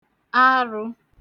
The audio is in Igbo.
arụ̄